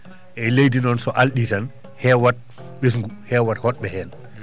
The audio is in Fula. eryi leydi noon so alɗii tan heewat ɓesgu heewat hotɓe heen